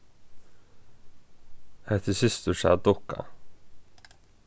hetta er systursa dukka